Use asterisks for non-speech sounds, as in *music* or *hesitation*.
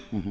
*hesitation* *hesitation*